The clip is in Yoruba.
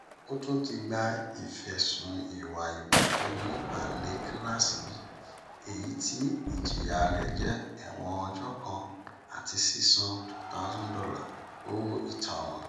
Ó tún ti gba ìfisùn ìwà ìbàjẹ́ onípele Kíláàsì B, èyí tí ìjìyà rẹ̀ jẹ́ ẹ̀wọ̀n ọjọ kan àti sísan $2,000 owó ìtánràn.